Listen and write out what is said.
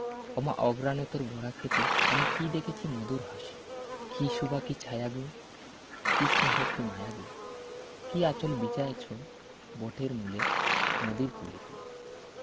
ও মা অগ্রানে তোর ভরা ক্ষেতে আমি কী দেখেছি মদুর হাসি কী শুবা কী ছায়া গো কী স্নেহ কী মায়া গো কী আঁচল বিচায়েছ বটের মূলে নদীর কূলে কূলে